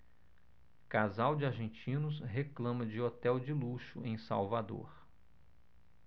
casal de argentinos reclama de hotel de luxo em salvador